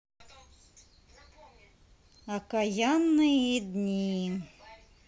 окаянные дни